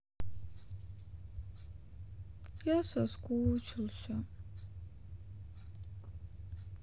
я соскучился